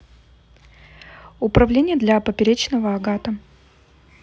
управление для поперечного агата